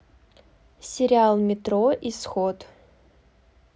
сериал метро исход